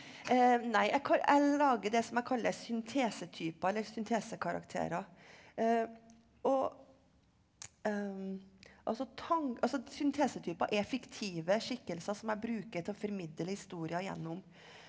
nei jeg jeg lager det som jeg kaller syntesetyper eller syntesekarakterer og altså altså syntesetyper er fiktive skikkelser som jeg bruker til å formidle historier gjennom.